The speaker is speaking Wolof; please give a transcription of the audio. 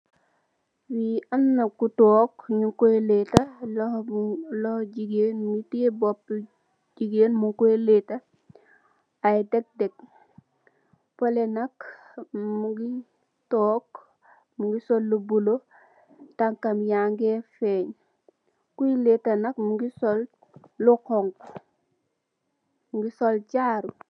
Li amna ko tog nyun ko layta loxo bu loxo jigéen mo tiyeh mbopu jigéen mung ko layta ay deg deg falee nak mongi tog mungi sol lu bulu tankam yangeh feeng koi layta nak mongi sol lu xonxu mongi sol jaaru.